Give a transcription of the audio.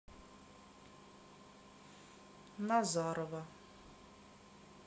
назарова